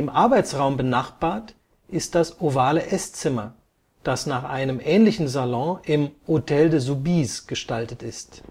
Arbeitsraum benachbart ist das ovale Esszimmer, das nach einem ähnlichen Salon im Hôtel de Soubise gestaltet ist